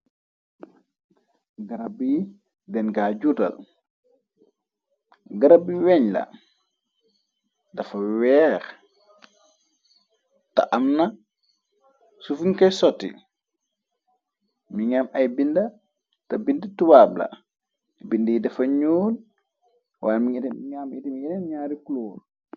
garab yi dengaay juutal garab yi weeñ la dafa weex te am na sufuñ koy soti mi ñgaam ay bind te bind tuwaab la bind yi dafa ñuol waaye m ñam im yeneen ñaari cloor